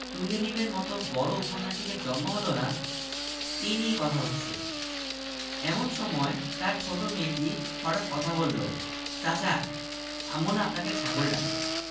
অধিক শোকে পাথর বলে যে কথাটা প্রচলিত আছে সেটা মিথ্যা নয় ভদ্র মহিলা পাথর হয়ে গেলেন তুর্গেনিভ প্রসঙ্গ আর জমল না